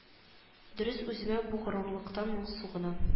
Дөрес үземә бу горурлыктан моңсу гына